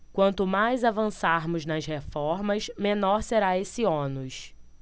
quanto mais avançarmos nas reformas menor será esse ônus